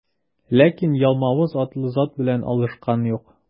Ләкин Ялмавыз атлы зат белән алышкан юк.